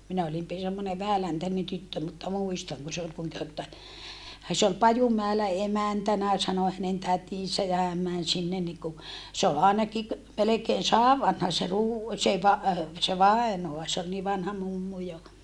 minä olin - semmoinen vähäläntäinen tyttö mutta muistan kun se oli - se oli Pajumäellä emäntänä sanoi hänen tätinsä ja hän meni sinne niin kuin se oli ainakin - melkein sadan vanha se - se - se vainaja se oli niin vanha mummu jo